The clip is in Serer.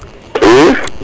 i